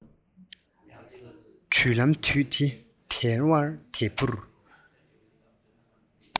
འདྲུད ལྷམ དྲུད དེ དལ བ དལ བུར